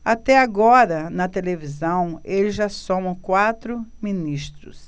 até agora na televisão eles já somam quatro ministros